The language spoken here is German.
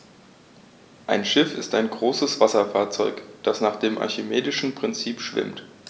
Ein Schiff ist ein größeres Wasserfahrzeug, das nach dem archimedischen Prinzip schwimmt.